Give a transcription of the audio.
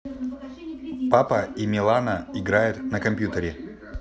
папа и милана играют на компьютере